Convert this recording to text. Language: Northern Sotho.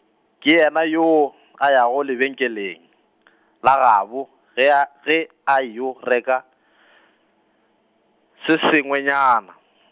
ke yena yoo a yago lebenkeleng , la gabo, ge a ge a yo reka , se sengwenyana.